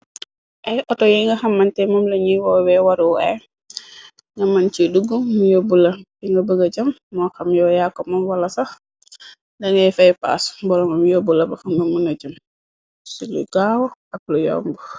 ay auto yi nga xamante moom la ñi woowe waruwaay nga mën ci dugg mu yóbbu la bi nga bëgga jam moo xam yoo yàkomoom wala sax da ngay fay paas mboloma mu yóbb la bax nga mëna jam ci lu gaaw ak lu yomb.